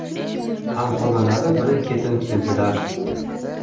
hamxonalari birin ketin keldilar